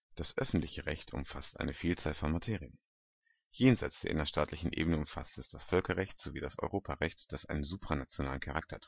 Das öffentliche Recht umfasst eine Vielzahl von Materien. Jenseits der innerstaatlichen Ebene umfasst es das Völkerrecht sowie das Europarecht, das einen supranationalen Charakter